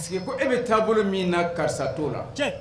parce que e bɛ taabolo min na karisa t'o la, tiɲɛ.